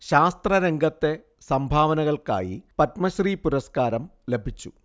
ശാസ്ത്ര രംഗത്തെ സംഭാവനകൾക്കായി പത്മശ്രീ പുരസ്കാരം ലഭിച്ചു